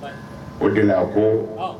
O de la a ko